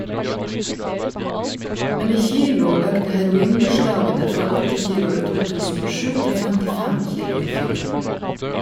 Men i kilo økte heroinbeslagene fra 8 kilo i 2007 til 55 kilo i fjor.